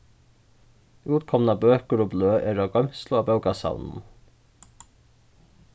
útkomnar bøkur og bløð eru á goymslu á bókasavninum